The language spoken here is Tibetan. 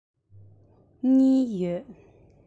གཉིས ཡོད